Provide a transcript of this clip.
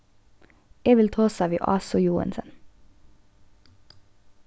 eg vil tosa við ásu joensen